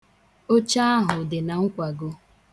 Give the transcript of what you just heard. Oche ahụ dị na nkwago.